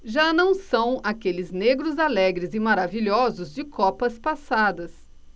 já não são aqueles negros alegres e maravilhosos de copas passadas